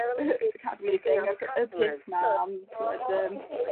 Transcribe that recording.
academi y thing acho- y peth 'na am t'wod yym